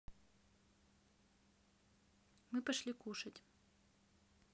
мы пошли кушать